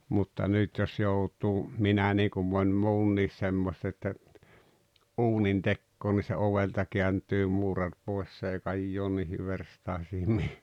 mutta nyt jos joutuu minä niin kuin moni muukin semmoista että uunintekoon niin se ovelta kääntyy muurari pois se ei kajoa niihin verstaisiin -